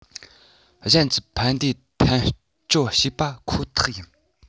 གཞན གྱི ཕན བདེ འཐེན སྤྱོད བྱེད པ ཁོ ཐག ཡིན